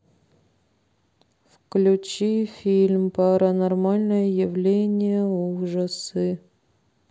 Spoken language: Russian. включи фильм паранормальное явление ужасы